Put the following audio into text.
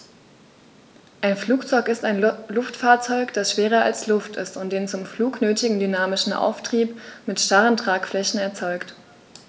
Ein Flugzeug ist ein Luftfahrzeug, das schwerer als Luft ist und den zum Flug nötigen dynamischen Auftrieb mit starren Tragflächen erzeugt.